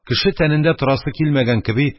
Кеше тәнендә торасы килмәгән кеби,